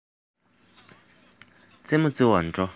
རྩེད མོ རྩེ བར འགྲོ